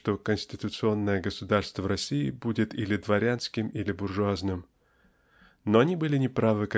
что конституционное государство в России будет или дворянским или буржуазным но они были неправы